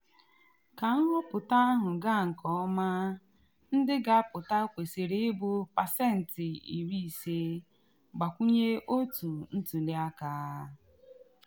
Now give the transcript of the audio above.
Ka nhọpụta ahụ gaa nke ọma ndị ga-apụta kwesịrị ịbụ pasentị 50 gbakwunye otu ntuli aka.